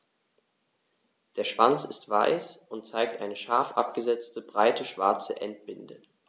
Der Schwanz ist weiß und zeigt eine scharf abgesetzte, breite schwarze Endbinde.